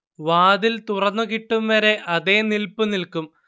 വാതിൽ തുറന്നു കിട്ടും വരെ അതേ നില്പു നിൽക്കും